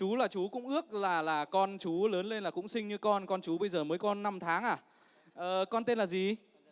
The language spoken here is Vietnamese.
chú là chú cũng ước là là con chú lớn lên là cũng xinh như con con chú bây giờ mới có năm tháng à ờ con tên là gì